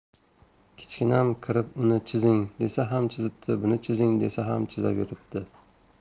kichkinam kirib uni chizing desa ham chizibdi buni chizing desa ham chizaveribdi